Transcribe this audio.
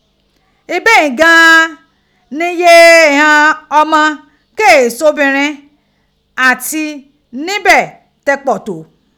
Ibe ghin gan an ni iye ighàn ọmọ ke e ṣe obìnrin àti níbẹ̀ ti pọ̀ tó.